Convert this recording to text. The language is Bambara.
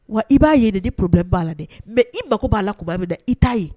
Wa i b'a ye de di porobilɛ b' la dɛ mɛ i magoko b'a la kunba' bɛ da i t'a ye